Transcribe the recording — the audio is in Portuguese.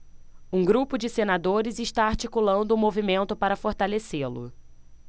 um grupo de senadores está articulando um movimento para fortalecê-lo